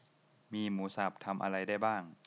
มีหมูสับทำอะไรได้บ้าง